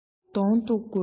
གདོང གཏུག དགོས